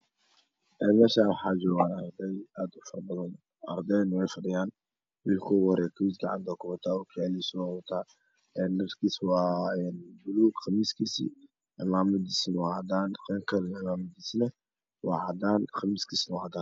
Meshan waxaa joogan arday wexewy watan dharka jiniska wiilka qamiskiisa waa cadan